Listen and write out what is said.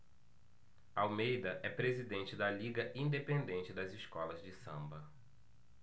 almeida é presidente da liga independente das escolas de samba